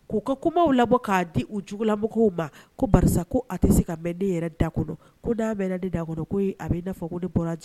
Ku ka kumaw labɔ ka di u jugulamɔgɔw ma. Ko barisa a ti se ka mɛn den yɛrɛ da kɔnɔ. Ko na mɛn na den da kɔnɔ , ko a bi na fɔ ko ne bɔra ji